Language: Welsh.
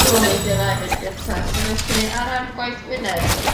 Dwi'm yn meindio 'nai fynd gynta so felly ar ran gwaith Gwynedd